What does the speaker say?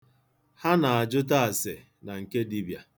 Ha na-ajụta ase na nke dibịa.